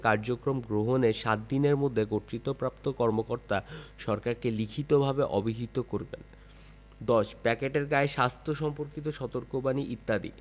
কার্যক্রম গ্রহণের ৭ দিনের মধ্যে কর্তৃত্বপ্রাপ্ত কর্মকর্তা সরকারকে লিখিতভাবে অবহিত করিবেন ১০ প্যাকেটের গায়ে স্বাস্থ্য সম্পর্কিত সতর্কবাণী ইত্যাদিঃ